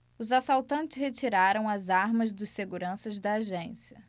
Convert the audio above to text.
os assaltantes retiraram as armas dos seguranças da agência